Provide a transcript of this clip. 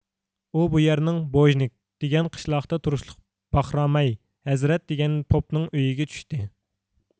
ئۇ بۇ يەرنىڭ بوژېنك دېگەن قىشلاقتا تۇرۇشلۇق باخرامەي ھەززەت دېگەن پوپنىڭ ئۆيىگە چۈشتى